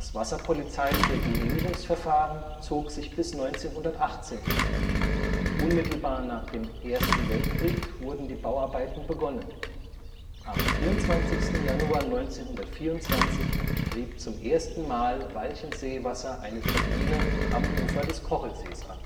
wasserpolizeiliche Genehmigungsverfahren zog sich bis 1918 hin. Unmittelbar nach dem Ersten Weltkrieg wurden die Bauarbeiten begonnen. Am 24. Januar 1924 trieb zum ersten Mal Walchenseewasser eine Turbine am Ufer des Kochelsees an